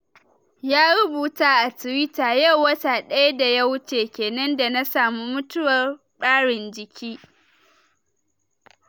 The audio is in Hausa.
Ya rubuta a Twitter: “Yau wata daya da ya wuce kenen da na samu mutuwar barin jiki.